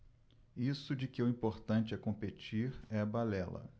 isso de que o importante é competir é balela